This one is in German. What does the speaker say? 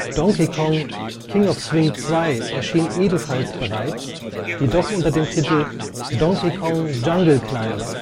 Donkey Kong: King of Swing 2 “erschien ebenfalls bereits, jedoch unter dem Titel „ Donkey Kong: Jungle Climber